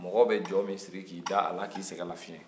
mɔgɔ bɛ jɔ min siri k'a d'a la k'a sɛgɛn lafiɲɛ